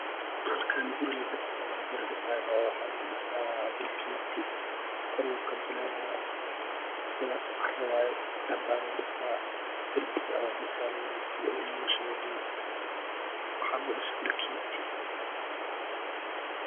Halkaan guri ladhisaayo wayo waxaa lgu dhisayaa bulkeeti kor wuu ka dulelaa hoos Cara waaye hadaa ladhisaa darpigaa la warejinyaa wali lam shamideen waxaa lgu dhisayaa pulkeeti